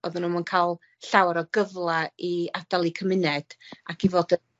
oddan nw'm yn ca'l llawer o gyfla i adal 'u cymuned ac i fod y-